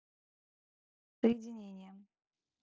что с соединением